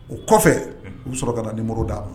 O kɔfɛ u bɛ sɔrɔ u bi sɔrɔ ka na numéro da ma.